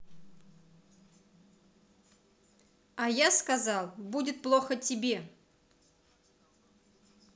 а я сказал будет плохо тебе